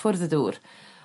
cyffwrdd y dŵr.